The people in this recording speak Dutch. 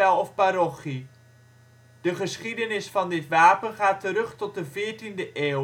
of parochie. De geschiedenis van dit wapen gaat terug tot de veertiende eeuw